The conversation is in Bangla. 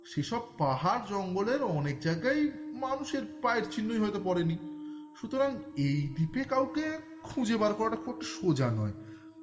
সেসব পাহাড়-জঙ্গলের অনেক জায়গায় হয়তো মানুষের পায়ের চিহ্ন পড়েনি সুতরাং এই দ্বীপে কাউকে খুঁজে বার করা সোজা নয়